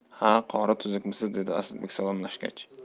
ha qori tuzukmisiz dedi asadbek salomlashgach